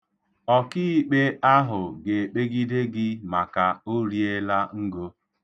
Ọkiikpe ahụ ga-ekpegide gị maka o riela ngo.